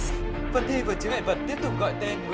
phần thi vượt chướng ngại vật tiếp tục gọi